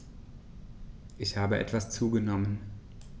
Ich habe etwas zugenommen